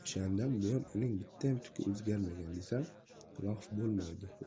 o'shandan buyon uning bittayam tuki o'zgarmagan desam lof bo'lmaydi